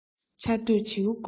ཆར འདོད བྱེའུ སྐོམ ན ཡང